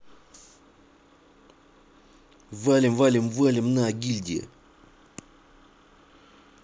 валим валим валим на гильдия